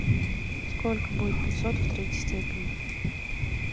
сколько будет пятьсот в третьей степени